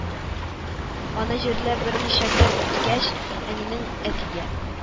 Аны җирләп берничә көн үткәч, әнинең әтигә: